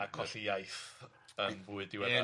A colli iaith yn fwy diweddar... Yn union.